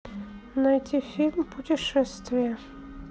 найти фильм путешествие